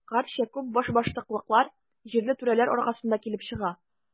Гәрчә, күп башбаштаклыклар җирле түрәләр аркасында килеп чыга.